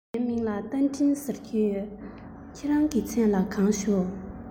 ངའི མིང ལ རྟ མགྲིན ཟེར གྱི ཡོད ཁྱེད རང གི མཚན ལ གང ཞུ གི ཡོད ན